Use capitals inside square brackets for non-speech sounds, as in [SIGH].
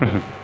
[HESITATION] [HESITATION]